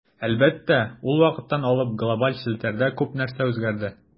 Әлбәттә, ул вакыттан алып глобаль челтәрдә күп нәрсә үзгәрде.